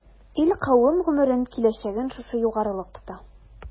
Ил-кавем гомерен, киләчәген шушы югарылык тота.